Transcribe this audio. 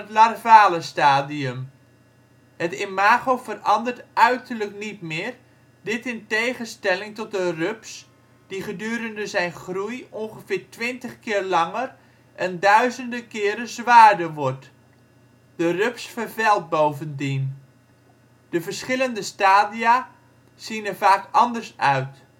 larvale stadium. Het imago verandert uiterlijk niet meer, dit in tegenstelling tot de rups die gedurende zijn groei ongeveer 20 keer langer en duizenden keren zwaarder wordt. De rups vervelt bovendien, de verschillende stadia zien er vaak anders uit